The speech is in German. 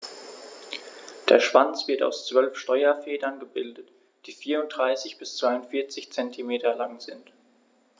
Der Schwanz wird aus 12 Steuerfedern gebildet, die 34 bis 42 cm lang sind.